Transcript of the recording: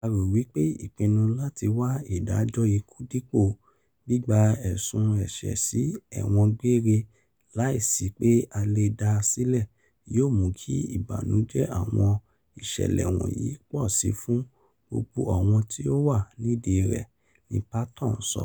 A rò wí pé ìpinnu láti wá ìdájọ́ ikú dípò gbígba ẹ̀sùn ẹ̀ṣẹ̀ sí ẹ̀wọ̀n gbére láìsí pé a lè dá a sílẹ̀ yóò mú kí ìbànújẹ́ àwọn ìṣẹ̀lẹ̀ wọ̀nyí pọ̀ sí i fún gbogbo àwọn tí ó wà nídìí rẹ̀, ni Patton sọ.